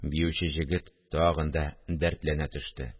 Биюче җегет тагын да дәртләнә төште